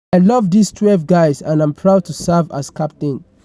I love these 12 guys and I'm proud to serve as captain.